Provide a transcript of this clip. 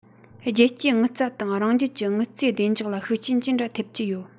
རྒྱལ སྤྱིའི དངུལ རྩ དང རང རྒྱལ གྱི དངུལ རྩའི བདེ འཇགས ལ ཤུགས རྐྱེན ཅི འདྲ ཐེབས ཀྱི ཡོད